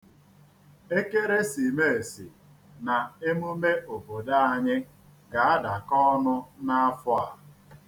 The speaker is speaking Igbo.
Ekeresimesi na emume obodo anyị ga-adakọ ọnụ n'afọ a.